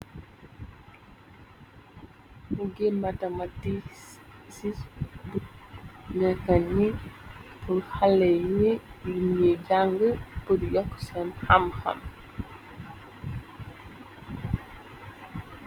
Buggé mathematicis bu nakan ni, bul xalene yu ñuy jang tur yokk seen xam xam.